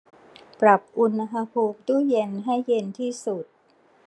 ปรับอุณหภูมิตู้เย็นให้เย็นที่สุด